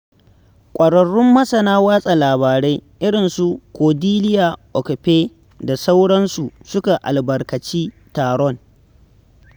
ƙwararrun masana watsa labarai irinsu Cordelia Okpei da sauransu suka albarkaci taron